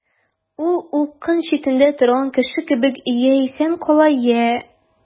Ул упкын читендә торган кеше кебек— я исән кала, я...